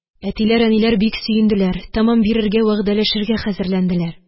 Әтиләр, әниләр бик сөенделәр, тәмам бирергә вәгъдәләшергә хәзерләнделәр.